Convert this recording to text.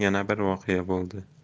yana bir voqea bo'ldi